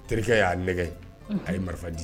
Terikɛ y'a nɛgɛ ani marifa di